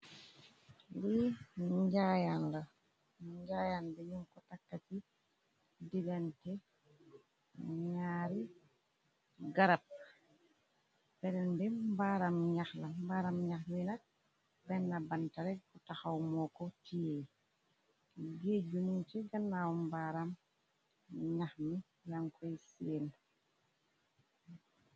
Lii njaayan la, njaayan bi ñum ko tàkkati digante ñaari garab, beneen bi mbaaram ñax, mbaaram ñax bi nak benn bantarek bu taxaw moo ko tiyee, géeju nuñ ci ganaaw mbaaram ñax mi yan koy seen.